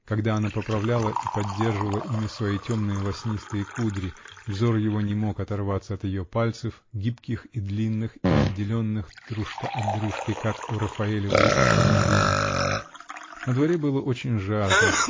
когда она поправляла и поддерживала ими свои темные, лоснистые кудри -- взор его не мог оторваться от ее пальцев, гибких и длинных и отделенных дружка от дружки, как у Рафаэлевой Форнарины. На дворе было очень жарко